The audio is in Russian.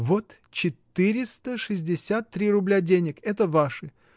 — Вот четыреста шестьдесят три рубля денег — это ваши.